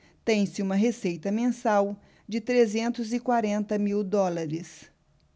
tem-se uma receita mensal de trezentos e quarenta mil dólares